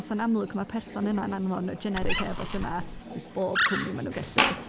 So yn amlwg mae'r person yna yn anfon y generic e-bost yna i bob cwmni ma' nhw'n gallu.